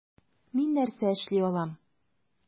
Мин нәрсә эшли алам?